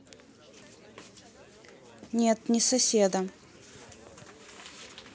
нет не соседа